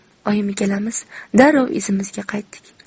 oyim ikkalamiz darrov izimizga qaytdik